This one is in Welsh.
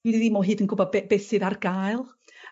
by' ni ddim o hyd yn gwbo be- beth sydd ar gael.